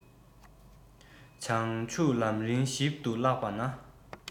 བྱང ཆུབ ལམ རིམ ཞིབ ཏུ བཀླགས པ ན